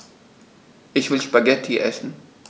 Ich will Spaghetti essen.